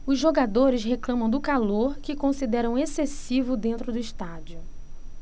os jogadores reclamam do calor que consideram excessivo dentro do estádio